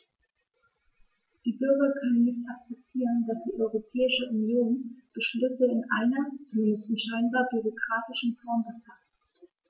Die Bürger können nicht akzeptieren, dass die Europäische Union Beschlüsse in einer, zumindest scheinbar, bürokratischen Form faßt.